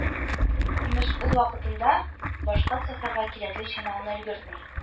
Имеш, ул вакытында башка цехларга кирәкле чималны өлгертми